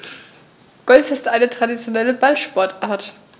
Golf ist eine traditionelle Ballsportart.